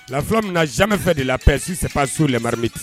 Lafi min na zmefɛ de lasip su lamarime